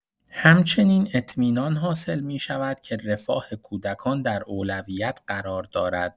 همچنین، اطمینان حاصل می‌شود که رفاه کودکان در اولویت قرار دارد.